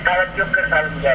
Talla diop kër Saalum Diané